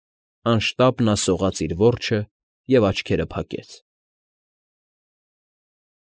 Անշտապ նա սողաց իր որջը և աչքերը փակեց։